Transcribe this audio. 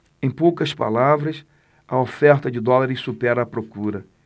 em poucas palavras a oferta de dólares supera a procura